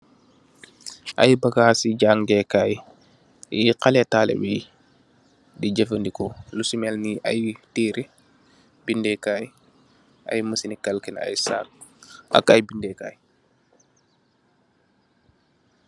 Ay bagas si jangekaay, ye xale talibe yi di jafandikoo lusi melni ay teere, bindekaay, ay macini kalkin, ay saag ak ay bindekaay